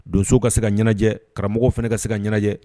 Donso ka se ka ɲɛnajɛ karamɔgɔ fana ka se ka ɲɛnajɛ